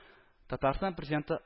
Татарстан Президенты